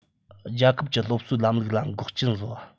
རྒྱལ ཁབ ཀྱི སློབ གསོའི ལམ ལུགས ལ འགོག རྐྱེན བཟོ བ